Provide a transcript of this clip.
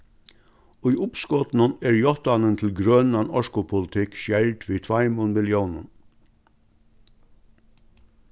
í uppskotinum er játtanin til grønan orkupolitikk skerd við tveimum milliónum